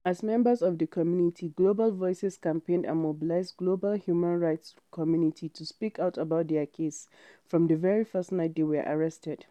As members of the community, Global Voices campaigned and mobilised the global human rights community to speak out about their case from the very first night they were arrested.